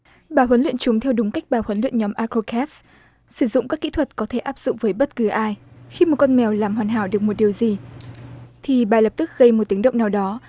bà huấn luyện chúng theo đúng cách bà huấn luyện nhóm a cờ rô két sử dụng các kỹ thuật có thể áp dụng với bất cứ ai khi một con mèo làm hoàn hảo được một điều gì thì bà lập tức gây một tiếng động nào đó